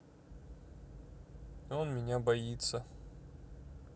он меня боится